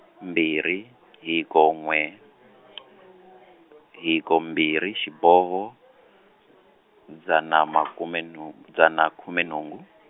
mbirhi hiko n'we , hiko mbirhi xiboho, dzana makume nu-, dzana khume nhungu.